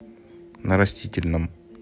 на растительном